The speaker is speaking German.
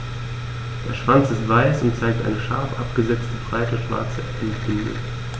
Der Schwanz ist weiß und zeigt eine scharf abgesetzte, breite schwarze Endbinde.